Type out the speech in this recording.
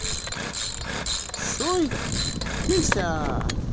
цой песня